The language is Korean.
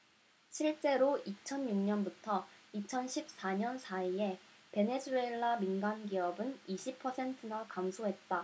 실제로 이천 육 년부터 이천 십 사 년 사이에 베네수엘라의 민간기업은 이십 퍼센트나 감소했다